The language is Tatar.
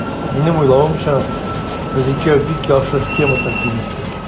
Минем уйлавымча, без икәү бик яхшы схема тәкъдим иттек.